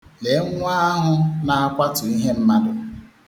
Lee nwa ahụ na-akwatu ihe mmadụ.